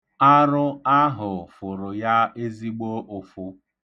Arụ ahụ fụrụ ya ezigbo ụfụ.